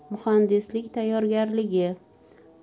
muhandislik tayyorgarligi